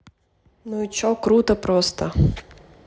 ну и че крутой просто